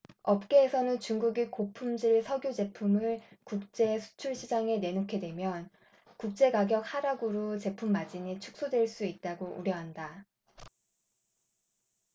업계에서는 중국이 고품질 석유 제품을 국제 수출 시장에 내놓게 되면 국제가격 하락으로 제품 마진이 축소될 수 있다고 우려한다